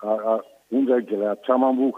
Aa mun ka gɛlɛya caman'